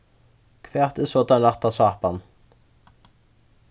hvat er so tann rætta sápan